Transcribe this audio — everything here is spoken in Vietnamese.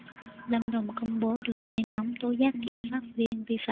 lâm đồng công bố đường dây nóng tố giác kiểm sát viên vi phạm